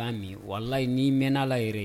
A mi, walayi n'i mɛn la yɛrɛ